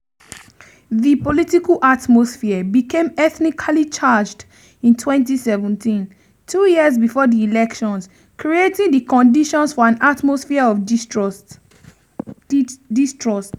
The political atmosphere became ethnically-charged in 2017, two years before the elections, creating the conditions for an atmosphere of distrust.